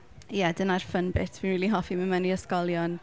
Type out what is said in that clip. Ie dyna'r fun bit. Fi'n rili hoffi mynd mewn i ysgolion.